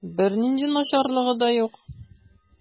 Бернинди начарлыгы да юк.